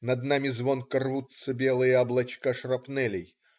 Над нами звонко рвутся белые облачка шрапнелей.